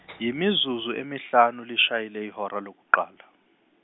yimizuzu emihlanu lishayile ihora lokuqala.